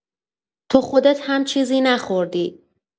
تو خودت هم چیزی نخوردی.